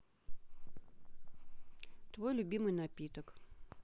твой любимый напиток